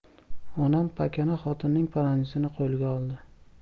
onam pakana xotinning paranjisini qo'lga oldi